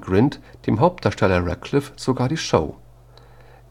Grint dem Hauptdarsteller Radcliffe sogar die Show.